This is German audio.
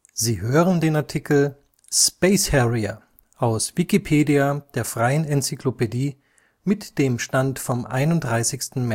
Sie hören den Artikel Space Harrier, aus Wikipedia, der freien Enzyklopädie. Mit dem Stand vom Der